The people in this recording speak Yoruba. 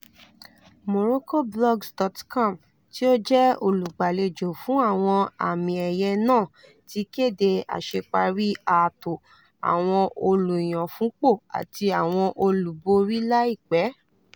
MorroccoBlogs.com, tí ó jẹ́ olùgbàlejò fún àwọn àmì-ẹ̀yẹ náà, ti kéde àṣeparí ààtò àwọn olùyànfúnpò àti àwọn olúborí láìpẹ́.